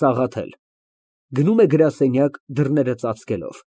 ՍԱՂԱԹԵԼ ֊ (Գնում է գրասենյակ, դռները ծածկելով)։